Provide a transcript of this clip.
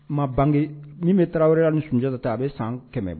Ma bange min bɛ taraweleruya ni sunjata dɔ ta a bɛ san kɛmɛ bɔ